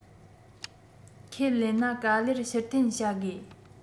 ཁས ལེན ན ག ལེར ཕྱིར འཐེན བྱ དགོས